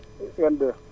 22